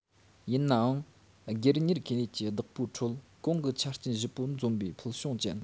ཡིན ནའང སྒེར གཉེར ཁེ ལས ཀྱི བདག པོའི ཁྲོད གོང གི ཆ རྐྱེན བཞི པོ འཛོམས པའི ཕུལ བྱུང ཅན